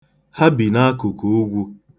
Ha bi n'akụkụ ugwu.